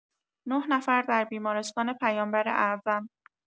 ۹ نفر در بیمارستان پیامبر اعظم